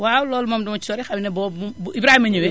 waaw loolu moom du ma ci sori xëy na boo bu Ibrahima ñëwee